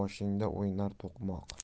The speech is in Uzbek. boshingda o'ynar to'qmoq